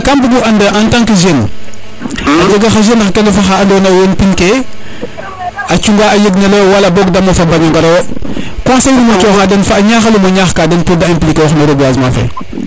kam bug u and en tant jeune a jega xa jeune axa ando naye o wen pin ke a cunga a yeg nelo yo wala a mofa mbaño ngaro yo conseil num o coxa den fo o ñaxolum o ñaxa den pour de impliquer ox no reboisement fe